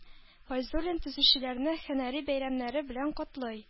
Фәйзуллин төзүчеләрне һөнәри бәйрәмнәре белән котлый